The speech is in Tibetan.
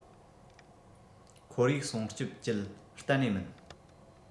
ཁོར ཡུག སྲུང སྐྱོབ ཅུད གཏན ནས མིན